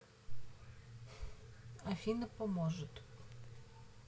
афина поможешь